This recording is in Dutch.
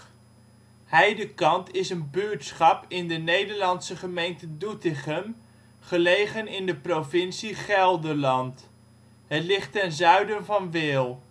buurtschap in de Nederlandse gemeente Doetinchem, gelegen in de provincie Gelderland. Het ligt ten zuiden van Wehl